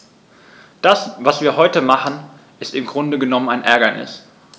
Das, was wir heute machen, ist im Grunde genommen ein Ärgernis.